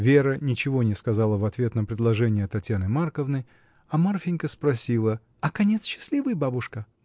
Вера ничего не сказала в ответ на предложение Татьяны Марковны, а Марфинька спросила: — А конец счастливый, бабушка?